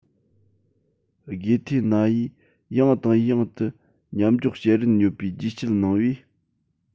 དགེ ཐེ ན ཡིས ཡང དང ཡང དུ མཉམ འཇོག བྱེད རིན ཡོད པའི རྒྱས བཤད གནང བས